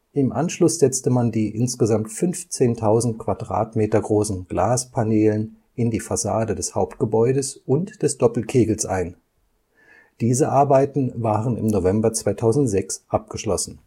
Im Anschluss setze man die insgesamt 15.000 m² großen Glaspaneelen in die Fassade des Hauptgebäudes und des Doppelkegels ein. Diese Arbeiten waren im November 2006 abgeschlossen